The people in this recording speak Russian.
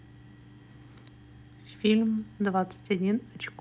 фильм двадцать один очко